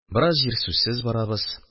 Бераз җир сүзсез барабыз.